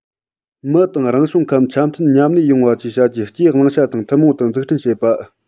མི དང རང བྱུང ཁམས འཆམ མཐུན མཉམ གནས ཡོང བ བཅས བྱ རྒྱུའི སྤྱིའི བླང བྱ དང ཐུན མོང དུ འཛུགས སྐྲུན བྱེད པ